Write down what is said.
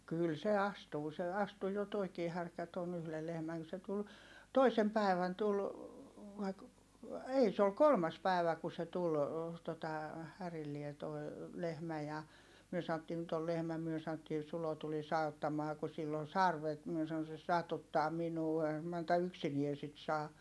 kyllä se astuu se astuu jo tuokin härkä tuon yhden lehmän kun se tuli toisena päivänä tuli vai - ei se oli kolmas päivä kun se tuli tuota härilleen tuo lehmä ja me sanottiin nyt oli lehmä me sanottiin Sulo tulisi auttamaan kun sillä on sarvet minä sanoin se satuttaa minua eihän Manta yksinään sitä saa